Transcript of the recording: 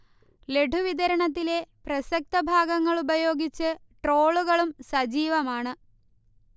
ലഡു വിതരണത്തിലെ പ്രസക്തഭാഗങ്ങൾ ഉപയോഗിച്ച് ട്രോളുകളും സജീവമാണ്